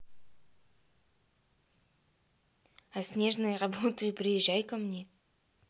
а снежные работу и при приезжай ко мне